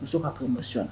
Muso k'a ko ma na